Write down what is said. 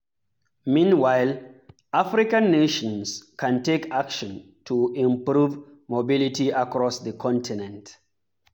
Meanwhile, African nations can take action to improve mobility across the continent.